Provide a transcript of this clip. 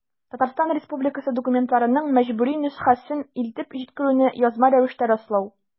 Татарстан Республикасы документларының мәҗбүри нөсхәсен илтеп җиткерүне язма рәвештә раслау.